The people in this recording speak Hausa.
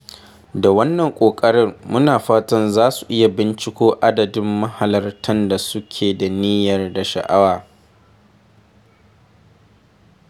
Da wannan ƙoƙarin, muna fatan za su iya binciko adadin mahalartan da suke da niyya da sha'awa.